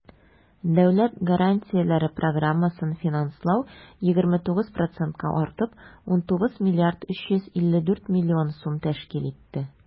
Дәүләт гарантияләре программасын финанслау 29 процентка артып, 19 млрд 354 млн сум тәшкил итте.